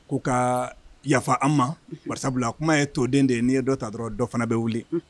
Ko kaa yafa an' ma unhun barisabula kuma ye toden de ye n'i ye dɔ ta dɔrɔn dɔ fana be wuli unh